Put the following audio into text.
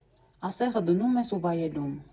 Ասեղը դնում ես ու վայելում։